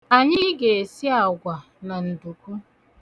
Anyị ga-esi agwa na nduku.